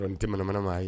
Tɛ jamanamana maa ye